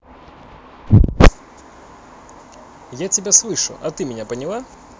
я тебя слышу а ты меня поняла